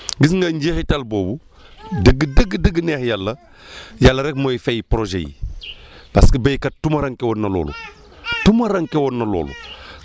gis nga njeexital boobu dëgg dëgg dëgg neex yàlla yàlla rek mooy fay projet yi parce que béykat tumurànke woon na loolu umurànke woon na loolu